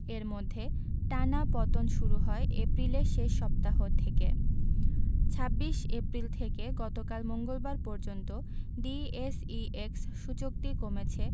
এর মধ্যে টানা পতন শুরু হয় এপ্রিলের শেষ সপ্তাহ থেকে ২৬ এপ্রিল থেকে গতকাল মঙ্গলবার পর্যন্ত ডিএসইএক্স সূচকটি কমেছে